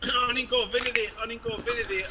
O'n i'n gofyn iddi, o'n i'n gofyn iddi .